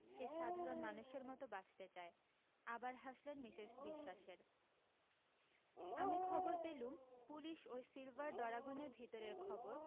সে সাধারণ মানুষের মতো বাঁচতে চায় আবার হাসলেন মিসেস বিশ্বাসের আমি খবর পেলুম পুলিশ ওই সিলভার ডরাগনের ভিতরের খবর